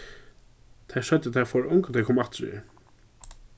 tær søgdu at tær fóru ongantíð at koma aftur her